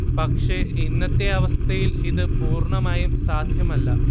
പക്ഷെ ഇന്നത്തെ അവസ്ഥയിൽ ഇത് പൂർണമായും സാധ്യമല്ല